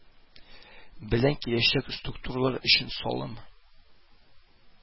Белән киләчәк структуралар өчен салым